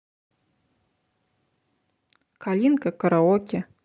калинка караоке